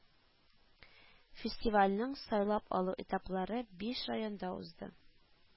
Фестивальнең сайлап алу этаплары биш районда узды